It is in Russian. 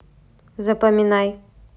запоминай